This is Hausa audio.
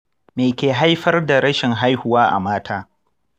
me ke haifar da rashin haihuwa a mata?